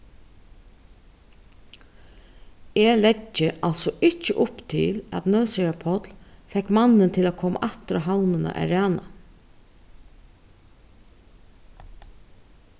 eg leggi altso ikki upp til at nólsoyar páll fekk mannin til at koma aftur á havnina at ræna